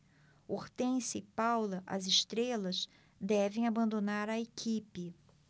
hortência e paula as estrelas devem abandonar a equipe